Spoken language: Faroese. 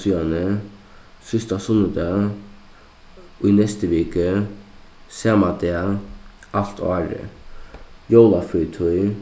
síðani síðsta sunnudag í næstu viku sama dag alt árið jólafrítíð